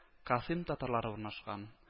Касыйм татарлары урнашкан